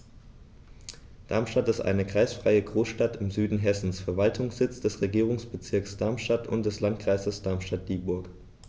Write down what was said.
Darmstadt ist eine kreisfreie Großstadt im Süden Hessens, Verwaltungssitz des Regierungsbezirks Darmstadt und des Landkreises Darmstadt-Dieburg.